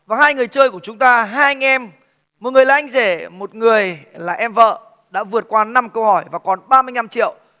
và hai người chơi của chúng ta hai anh em một người là anh rể một người là em vợ đã vượt qua năm câu hỏi và còn ba mươi nhăm triệu